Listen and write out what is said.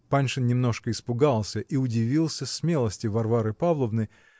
Паншин немножко испугался и удивился смелости Варвары Павловны